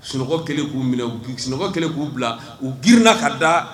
Sunɔgɔ kelen k'u minɛ u sunɔgɔ kɛlen k'u bila u girinla ka da